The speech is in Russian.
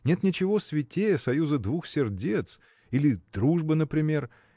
нет ничего святее союза двух сердец, или дружба, например.